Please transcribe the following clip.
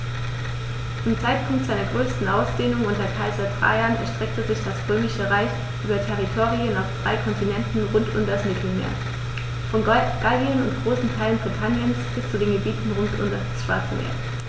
Zum Zeitpunkt seiner größten Ausdehnung unter Kaiser Trajan erstreckte sich das Römische Reich über Territorien auf drei Kontinenten rund um das Mittelmeer: Von Gallien und großen Teilen Britanniens bis zu den Gebieten rund um das Schwarze Meer.